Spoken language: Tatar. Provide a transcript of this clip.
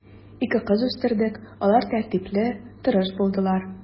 Ике кыз үстердек, алар тәртипле, тырыш булдылар.